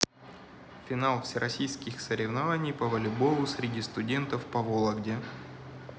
финал всероссийских соревнований по волейболу среди студентов вологде